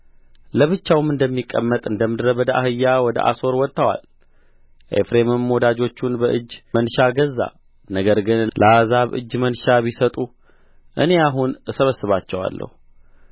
ለብቻውም እንደሚቀመጥ እንደ ምድረ በዳ አህያ ወደ አሦር ወጥተዋል ኤፍሬምም ወዳጆቹን በእጅ መንሻ ገዛ ነገር ግን ለአሕዛብ እጅ መንሻ ቢሰጡ እኔ አሁን እሰበስባቸዋለሁ